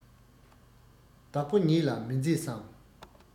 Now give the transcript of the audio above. བདག པོ ཉིད ལ མི མཛེས སམ